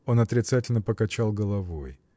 Он отрицательно покачал головой.